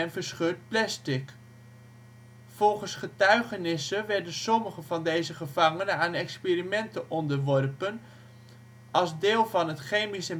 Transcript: verscheurd plastiek. Volgens getuigenissen werden sommige van deze gevangenen aan experimenten onderworpen, als deel van het chemisch